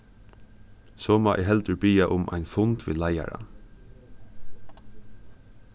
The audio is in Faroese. so má eg heldur biðja um ein fund við leiðaran